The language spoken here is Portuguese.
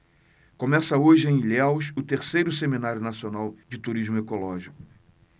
começa hoje em ilhéus o terceiro seminário nacional de turismo ecológico